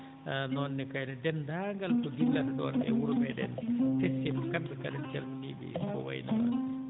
a noone kayne denndaangal ko dillata ɗon e wuro meeɗen * kamɓe kala en calminii ɓe ko wayi no